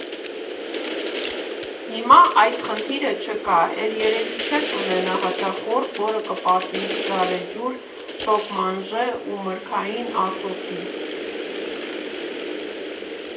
Հիմա այդ խնդիրը չկա, էլ երևի չես ունենա հաճախորդ, որը կպատվիրի գարեջուր, շոկմանժե ու մրգային ասորտի։